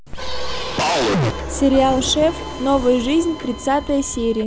сериал шеф новая жизнь тридцатая серия